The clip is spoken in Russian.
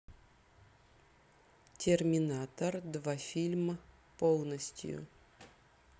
терминатор два фильм полностью